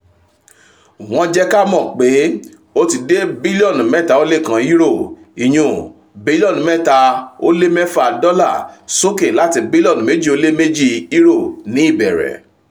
Wọ́n jẹ́ ká mọ̀ pé ó ti dé €3.1billion ($3.6bn) - sókè láti €2.2 billion ní ìbẹ̀rẹ̀.